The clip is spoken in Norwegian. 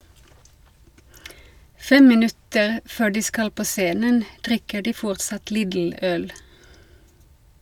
Fem minutter før de skal på scenen drikker de fortsatt Lidl-øl.